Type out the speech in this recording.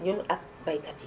ñun ak baykat yi